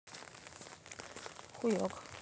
хуек